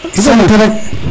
sant rek